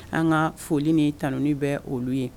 An ka foli ni ta bɛ olu ye